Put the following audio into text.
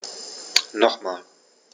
Nochmal.